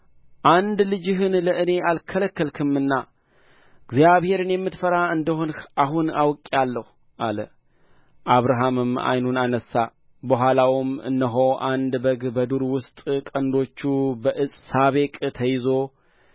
አንድ ልጅህን ለእኔ አልከለከልህምና እግዚአብሔርን የምትፈራ እንደ ሆንህ አሁን አውቄአለሁ አለ አብርሃምም ዓይኑን አነሣ በኋላውም እነሆ አንድ በግ በዱር ውስጥ ቀንዶቹ በዕፀ ሳቤቅ ተይዞ